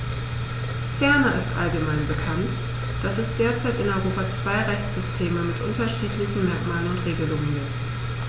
Ferner ist allgemein bekannt, dass es derzeit in Europa zwei Rechtssysteme mit unterschiedlichen Merkmalen und Regelungen gibt.